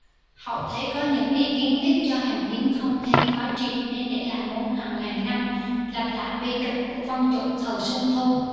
hậu thế có những ý kiến tiếc cho hàn tín không theo lời khoái triệt nên để lại mối hận ngàn năm lặp lại bi kịch của văn chủng thời xuân thu